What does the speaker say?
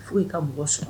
Fo' ka mɔgɔ sɔn